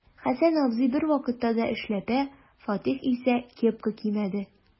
Хәсән абзый бервакытта да эшләпә, Фатих исә кепка кимәде.